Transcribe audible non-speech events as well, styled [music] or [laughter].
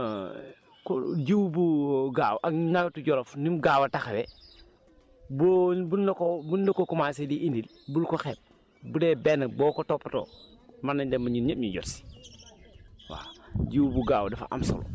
kon [hesitation] jiw bu gaaw ak nawetu Djolof ni mu gaaw a taxawee boo buñ la ko buñ la ko commencé di indil bul ko xeeb bu dee benn boo ko toppatoo mën nañ dem ba ñun ñëpp ñu jot si [noise] waaw